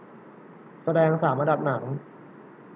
แสดงสามอันดับหนัง